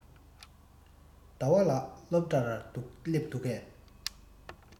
ཟླ བ ལགས སློབ གྲྭར སླེབས འདུག གས